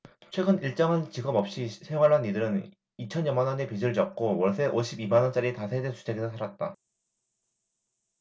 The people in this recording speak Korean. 최근 일정한 직업 없이 생활한 이들은 이 천여만원의 빚을 졌고 월세 오십 이 만원짜리 다세대 주택에서 살았다